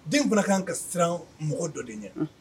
Den bɔrakan kan ka siran mɔgɔ dɔ de ye